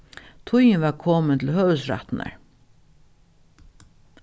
tíðin var komin til høvuðsrættirnar